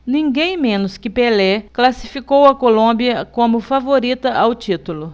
ninguém menos que pelé classificou a colômbia como favorita ao título